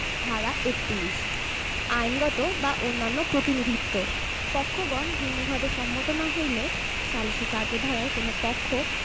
ধারা ৩১ আইনগত বা অন্যান্য প্রতিনিধিত্ব পক্ষগণ ভিন্নভাবে সম্মত না হইলে সালিসী কার্যধারার কোন পক্ষ